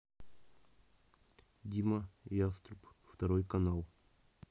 дима яструб второй канал